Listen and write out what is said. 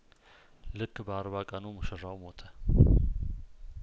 ልክ በአርባ ቀኑ ሙሽራው ሞተ